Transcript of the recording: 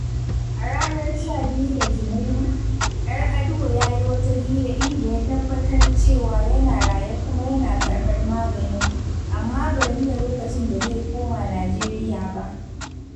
A ranar 12 ga Janairu, Yar’Adua ya yi wata hira inda ya tabbatar cewa yana raye kuma yana karɓar magani, amma bai nuna lokacin da zai koma Najeriya ba.